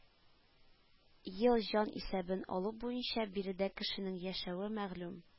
Ел җанисәбен алу буенча биредә кешенең яшәве мәгълүм